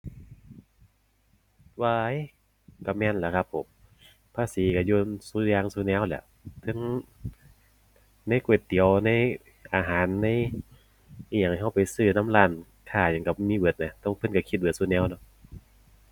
ว้าย ก็แม่นแล้วครับผม ภาษีก็อยู่ซุอย่างซุแนวแหล้ว เทิงในก๋วยเตี๋ยว ในอาหาร ในอิหยังที่ก็ไปซื้อนำร้านค้าหยังก็มีเบิดนะ แล้วเพิ่นก็คิดเบิดซุแนวเนาะ